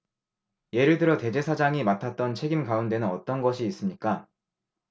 예를 들어 대제사장이 맡았던 책임 가운데는 어떤 것이 있습니까